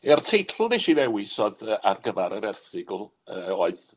Ia'r teitl wnes i ddewis o'dd yy ar gyfar yr erthygl, yy oedd...